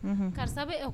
Unhun, karisa bɛ